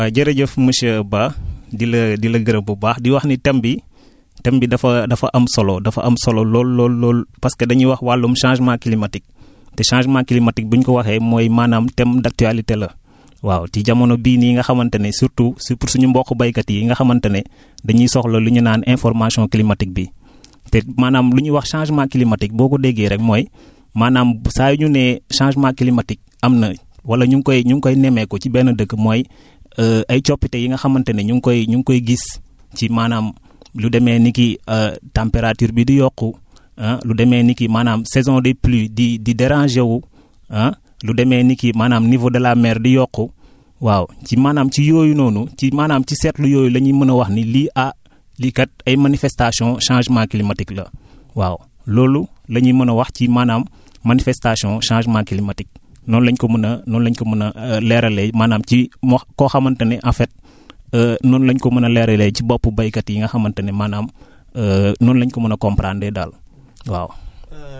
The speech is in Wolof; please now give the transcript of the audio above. waa jërëjëf monsieur Ba di la di la gërëm bu baax di wax ni thème bii thème bi dafa dafa am solo dafa am solo lool lool lool lool parce que dañuy wax wàllum changement climatique te changement climatique buñ ko waxee mooy maanaam thème d' actualité la waaw di jamono bii nii nga xamante ne surtout surtout suñu mbokku baykat yi nga xamante ne dañuy soxla lu ñu naan information climatique bi te maanaam lu ñu wax changement climatique boo ko déggee rekk mooy maanaam saa yu ñu nee changement climatique am na wala ñu ngi koy ñu ngi koy nemmeeku ci benn dëkk mooy ay coppite yi nga xamante ñu ngi koy ñu ngi koy gis ci maanaam lu demee ni ki température bi di yokku ah lu demee ni ki maanaam saison des pluies di di déranger wu ah lu demee ni ki maanaam niveau de la mer di yokku waaw ci maanaam ci yooyu noonu ci maanaam ci seetlu yooyu la ñuy mën a wax ni lii ah lii kat ay manifestations changement climatique la waaw loolu la ñuy mën a wax ci maanaam manifestations changement climatique noonu la ñu ko mën a noonu la ñu ko mën a leeralee maanaam ci moo koo xamante ne en fait noonu lañ ko mën a leeralee ci boppu baykat yi nga xamante ne maanaam noonu la ñu ko mën a komparandee daal waaw